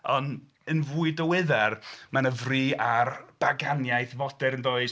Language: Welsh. Ond yn fwy diweddar mae 'na fri ar baganiaeth fodern, does.